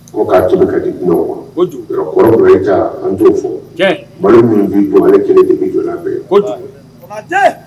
Ko'a ka di kun kɔrɔ bɛ taa an to fɔ minnu bɛ jɔ kelen de bɛ jɔ bɛɛ